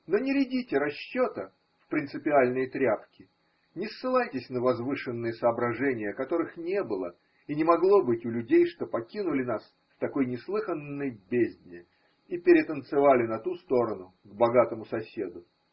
Но не рядите расчета в принципиальные тряпки, не ссылайтесь на возвышенные соображения, которых не было и не могло быть у людей, что покинули нас в такой неслыханной бездне и перетанцевали на ту сторону к богатому соседу.